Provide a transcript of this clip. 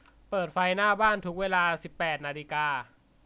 เปิดไฟหน้าบ้านทุกเวลาสิบแปดนาฬิกา